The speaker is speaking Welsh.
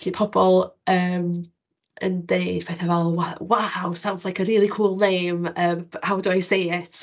'Lly pobl yym yn deud petha fel, wow, sounds like a really cool name, um how do I say it?